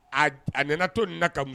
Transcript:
A nana to ni na ka mun